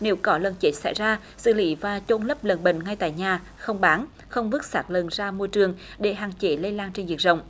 nếu có lợn chết xảy ra xử lý và chôn lấp lợn bệnh ngay tại nhà không bán không vứt xác lợn ra môi trường để hạn chế lây lan trên diện rộng